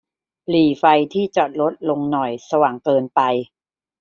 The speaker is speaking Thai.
หรี่ไฟที่จอดรถลงหน่อยสว่างเกินไป